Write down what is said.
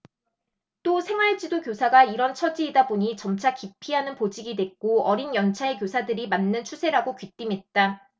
또 생활지도 교사가 이런 처지이다 보니 점차 기피하는 보직이 됐고 어린 연차의 교사들이 맡는 추세라고 귀띔했다